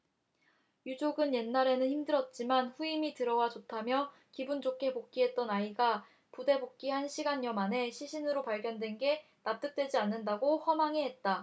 유족은 옛날에는 힘들었지만 후임이 들어와 좋다며 기분 좋게 복귀했던 아이가 부대 복귀 한 시간여 만에 시신으로 발견된 게 납득되지 않는다고 허망해 했다